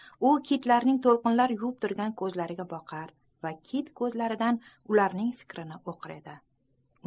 u kitlarning to'lqinlar yuvib turgan ko'zlariga boqar va ularning fikrini o'qir edi